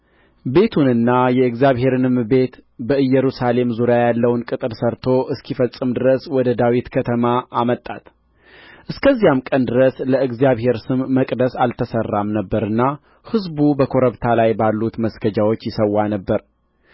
ቤቱንና የእግዚአብሔርንም ቤት በኢየሩሳሌምም ዙሪያ ያለውን ቅጥር ሠርቶ እስኪፈጽም ድረስ ወደ ዳዊት ከተማ አመጣት እስከዚያም ቀን ድረስ ለእግዚአብሔር ስም መቅደስ አልተሠራም ነበርና ሕዝቡ በኮረብታ ላይ ባሉት መስገጃዎች ይሠዋ ነበር